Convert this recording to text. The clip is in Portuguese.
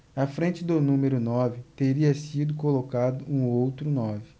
à frente do número nove teria sido colocado um outro nove